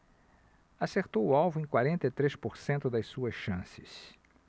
acertou o alvo em quarenta e três por cento das suas chances